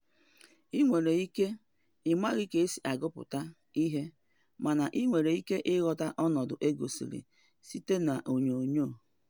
Ị nwere ike ị maghị ka esi agụpta ihe mana ị nwere ike ịghọta ọnọdụ e gosiri site n'onyonyo.